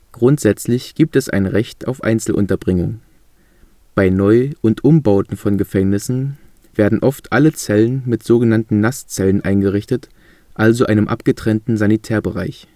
Grundsätzlich gibt es ein Recht auf Einzelunterbringung. Bei Neu - und Umbauten von Gefängnissen werden oft alle Zellen mit sogenannten Nasszellen eingerichtet, also einem abgetrennten Sanitärbereich